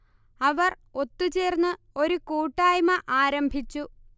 അവർ ഒത്തു ചേർന്ന് ഒരു കൂട്ടായ്മ ആരംഭിച്ചു